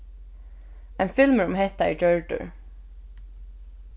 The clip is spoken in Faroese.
ein filmur um hetta er gjørdur